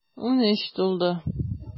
Унөч тулды.